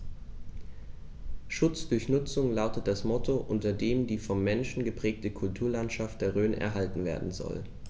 „Schutz durch Nutzung“ lautet das Motto, unter dem die vom Menschen geprägte Kulturlandschaft der Rhön erhalten werden soll.